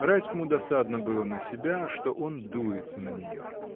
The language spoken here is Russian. Райскому досадно было на себя, что он дуется на нее.